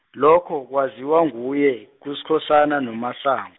lokho kwaziwa nguye, kuSkhosana noMasango.